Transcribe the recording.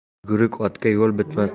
yuguruk otga yol bitmas